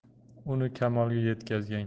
uni kamolga yetkazgan